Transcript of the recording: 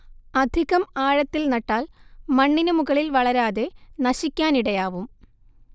അധികം ആഴത്തിൽ നട്ടാൽ മണ്ണിനു മുകളിൽ വളരാതെ നശിക്കാനിടയാവും